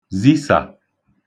zisà